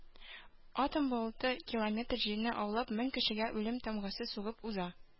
Атом болыты километр җирне агулап мең кешегә үлем тамгасы сугып уза.